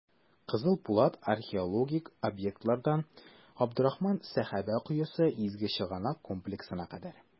«кызыл пулат» археологик объектыннан "габдрахман сәхабә коесы" изге чыганак комплексына кадәр.